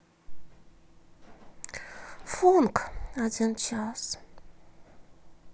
фонк один час